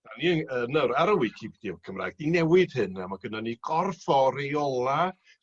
'Dan ni in- yn yr ar y wicipedia Cymraeg i newid hyn a ma' gynno ni gorff o reola'